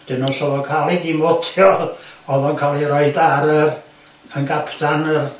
'dyn os o'ddo'n ca'l i dimotio o'dd o'n ca'l i reid ar yr yn gapdan...